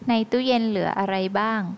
ในตู้เย็นเหลืออะไรบ้าง